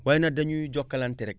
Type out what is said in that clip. waaye nag dañuy jokkalante rek